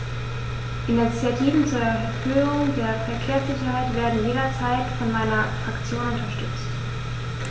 Initiativen zur Erhöhung der Verkehrssicherheit werden jederzeit von meiner Fraktion unterstützt.